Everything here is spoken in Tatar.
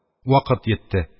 Вакыт йитте